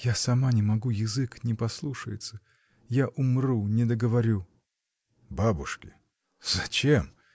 — Я сама не могу: язык не послушается. Я умру, не договорю. — Бабушке? зачем!